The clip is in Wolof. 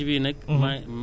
waa léegi foofu lay